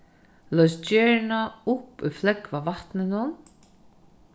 loys gerina upp í flógva vatninum